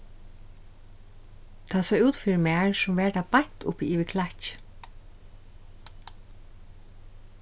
tað sá út fyri mær sum var tað beint uppi yvir klakki